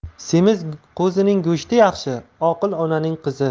semiz qo'zining go'shti yaxshi oqil onaning qizi